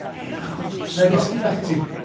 Ia, ond iesgob... Wna i ddysgu bach i ti!